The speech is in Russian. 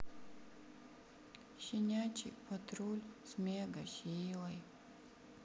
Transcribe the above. щенячий патруль с мега силой